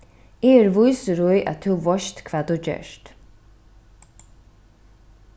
eg eri vísur í at tú veitst hvat tú gert